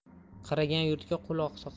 qurigan yurtga qul oqsoqol